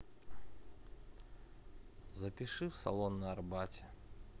запиши в салон на арбате